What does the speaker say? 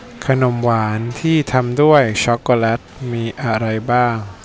เมนูที่ทำด้วยสตอเบอร์รี่มีอะไรบ้าง